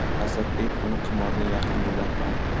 asadbek uni qimorga yaqin yo'latmadi